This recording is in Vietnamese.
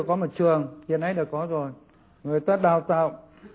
có một trường hiện nay đã có rồi người ta đào tạo